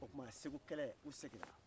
o tuma segu kɛlɛ u segin na